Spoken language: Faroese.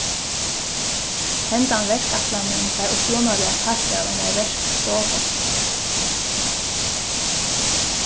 hendan verkætlanin var upprunaliga partur av einari verkstovu